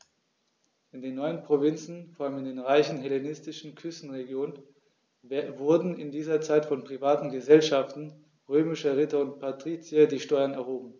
In den neuen Provinzen, vor allem in den reichen hellenistischen Küstenregionen, wurden in dieser Zeit von privaten „Gesellschaften“ römischer Ritter und Patrizier die Steuern erhoben.